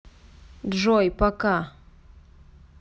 джой пока